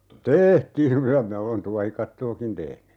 tehtiin kyllä minä olen tuohikattoakin tehnyt